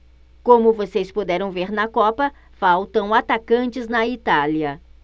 como vocês puderam ver na copa faltam atacantes na itália